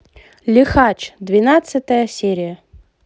лихач двенадцатая серия